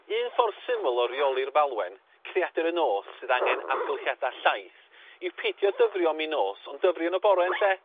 un ffor syml o reoli'r falwen creadur y nos sydd angen amgylchiada llaith yw peidio dyfrio min nos ond dyfri yn y bore yn lle.